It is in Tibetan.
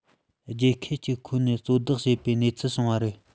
རྒྱལ ཁབ གཅིག ཁོ ནས གཙོ བདག བྱེད པའི གནས ཚུལ བྱུང བ རེད